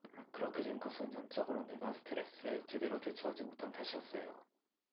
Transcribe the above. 그렇게 된 것은 전적으로 내가 스트레스에 제대로 대처하지 못한 탓이었어요